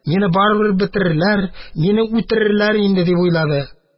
«мине барыбер бетерерләр, мине үтерерләр инде», – дип уйлады.